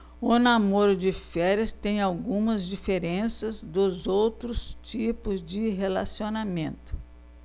o namoro de férias tem algumas diferenças dos outros tipos de relacionamento